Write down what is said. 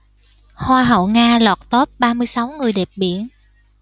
hoa hậu nga lọt top ba mươi sáu người đẹp biển